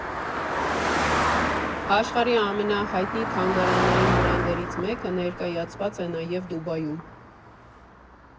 Աշխարհի ամենահայտնի թանգարանային բրենդերից մեկը ներկայացված է նաև Դուբայում։